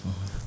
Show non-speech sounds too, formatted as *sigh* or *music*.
*hesitation* *hesitation*